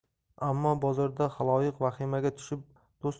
ammo bozorda xaloyiq vahimaga tushib to's